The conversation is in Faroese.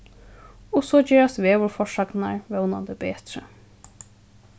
og so gerast veðurforsagnirnar vónandi betri